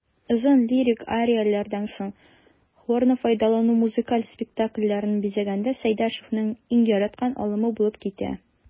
Озын лирик арияләрдән соң хорны файдалану музыкаль спектакльләрне бизәгәндә Сәйдәшевнең иң яраткан алымы булып китә.